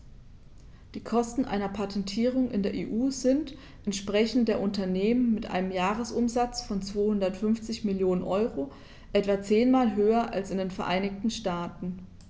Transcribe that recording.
Die Kosten einer Patentierung in der EU sind, entsprechend der Unternehmen mit einem Jahresumsatz von 250 Mio. EUR, etwa zehnmal höher als in den Vereinigten Staaten.